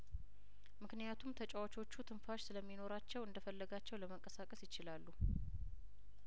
ምክንያቱም ተጫዋቾቹ ትንፋሽ ስለሚ ኖራቸው እንደፈለጋቸው ለመንቀሳቀስ ይችላሉ